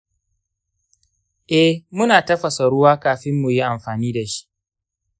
eh, muna tafasa ruwa kafin mu yi amfani da shi.